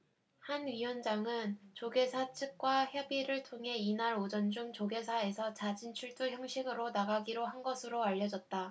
한 위원장은 조계사 측과 협의를 통해 이날 오전 중 조계사에서 자진출두 형식으로 나가기로 한 것으로 알려졌다